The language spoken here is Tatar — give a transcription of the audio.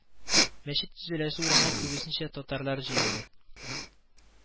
Мәчет төзеләсе урынга күбесенчә татарлар җыелды